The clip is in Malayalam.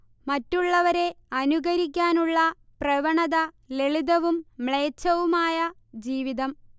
മറ്റുള്ളവരെ അനുകരിക്കാനുള്ള പ്രവണത ലളിതവും മ്ലേച്ഛവുമായ ജീവിതം